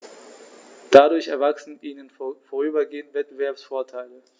Dadurch erwachsen ihnen vorübergehend Wettbewerbsvorteile.